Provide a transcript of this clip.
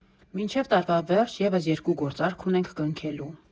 Մինչև տարվա վերջ ևս երկու գործարք ունենք կնքելու»։